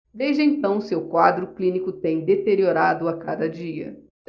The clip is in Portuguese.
desde então seu quadro clínico tem deteriorado a cada dia